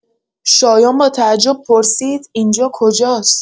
شایان با تعجب پرسید: «اینجا کجاست؟»